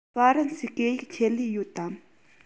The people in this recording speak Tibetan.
ཧྥ རན སིའི སྐད ཡིག ཆེད ལས ཡོད དམ